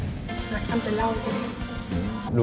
này anh chờ lâu chưa